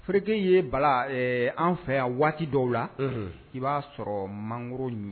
Fke ye bala an fɛ yan waati dɔw la i b'a sɔrɔ mangoro ye